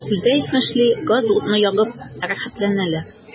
Үзе әйтмешли, газ-утны ягып “рәхәтләнәләр”.